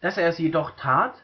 Dass er es dennoch tat,